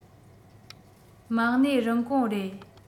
མ གནས རིན གོང རེད